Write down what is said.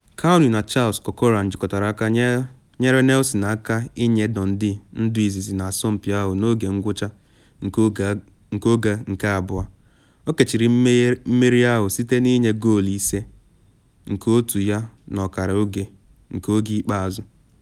Cownie na Charles Corcoran jikọtara aka nyere Nielsen aka ịnye Dundee ndu izizi na asọmpi ahụ n’oge ngwụcha nke oge nke abụọ, o kechiri mmeri ahụ site na nke goolu ise nke otu ya n’ọkara oge nke oge ikpeazụ.